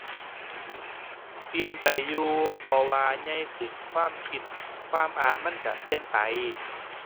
เปลี่ยนไปอยู่ เพราะว่าใหญ่ขึ้นความคิดความอ่าน มันก็เปลี่ยนไป